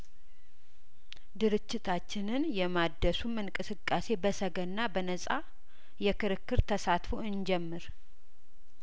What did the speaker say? ድርችታችንን የማደሱም እንቅስቃሴ በሰገና በነጻ የክርክር ተሳትፎ እንጀምር